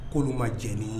Kolo ma jeni ye